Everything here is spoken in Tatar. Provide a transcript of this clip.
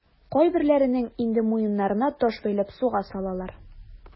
Кайберләренең инде муеннарына таш бәйләп суга салалар.